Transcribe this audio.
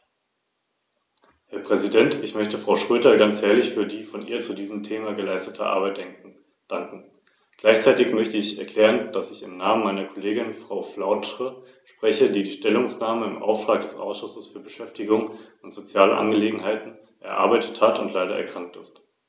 Diese Richtlinie ist ein Beitrag dazu.